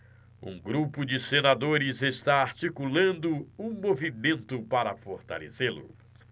um grupo de senadores está articulando um movimento para fortalecê-lo